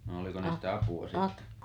no oliko niistä apua sitten